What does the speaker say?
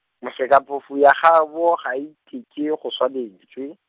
Mosekaphofu ya gaabo ga a iteke go swa lentswe.